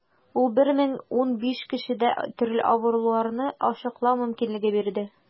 Ул 1015 кешедә төрле авыруларны ачыклау мөмкинлеге бирде.